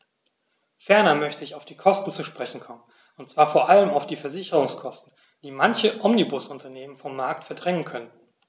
Ferner möchte ich auf die Kosten zu sprechen kommen, und zwar vor allem auf die Versicherungskosten, die manche Omnibusunternehmen vom Markt verdrängen könnten.